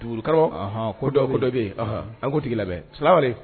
Ko dɔ ko dɔ bɛ yen an tigi labɛn